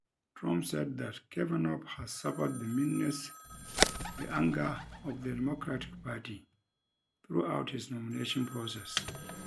Trump said that Kavanaugh has "suffered the meanness, the anger" of the Democratic Party throughout his nomination process.